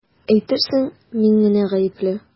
Әйтерсең мин генә гаепле!